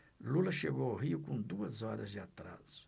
lula chegou ao rio com duas horas de atraso